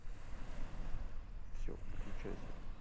все выключайся